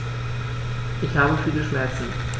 Ich habe viele Schmerzen.